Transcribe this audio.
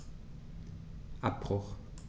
Abbruch.